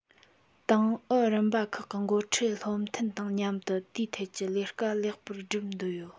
ཏང ཨུ རིམ པ ཁག གི འགོ ཁྲིད བློ མཐུན དང མཉམ དུ འདིའི ཐད ཀྱི ལས ཀ ལེགས པར སྒྲུབ འདོད ཡོད